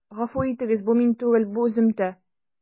Гафу итегез, бу мин түгел, бу өземтә.